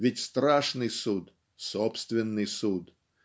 Ведь Страшный суд - собственный суд.